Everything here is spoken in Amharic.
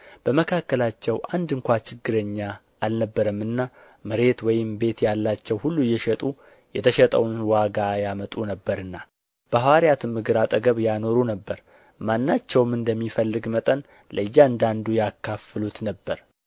በመካከላቸው አንድ ስንኳ ችግረኛ አልነበረምና መሬት ወይም ቤት ያላቸው ሁሉ እየሸጡ የተሸጠውን ዋጋ ያመጡ ነበርና በሐዋርያትም እግር አጠገብ ያኖሩ ነበር ማናቸውም እንደሚፈልግ መጠን ለእያንዳንዱ ያካፍሉት ነበር